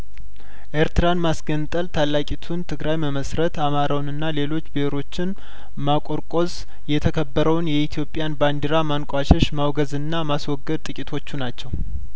ኤርትራን ማስገንጠል ታላቂቱን ትግራይ መመስረት አማራውንና ሌሎች ብሄሮችን ማቆርቆዝ የተከበረውን የኢትዮጵያን ባንዲራ ማንቋሸሽ ማውገዝና ማስወገድ ጥቂቶቹ ናቸው